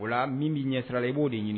O min bɛ ɲɛsirala i b'o de ɲini